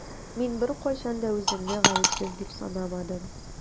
Мин беркайчан да үземне гаепсез дип санамадым.